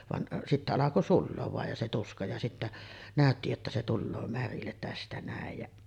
vaan sitten alkoi sulaa vain ja se tuska ja sitten näytti jotta se tulee märille tästä näin ja